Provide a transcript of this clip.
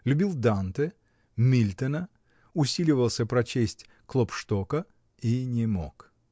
любил Данте, Мильтона, усиливался прочесть Клопштока — и не мог.